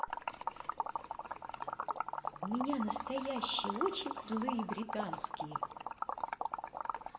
у меня настоящие очень злые британские